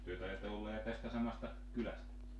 te taidatte olla ja tästä samasta kylästä